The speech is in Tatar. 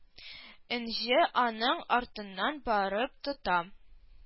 Энҗе аның артыннан барып тота